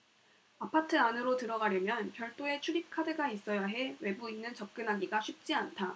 아파트 안으로 들어가려면 별도의 출입카드가 있어야 해 외부인은 접근하기가 쉽지 않다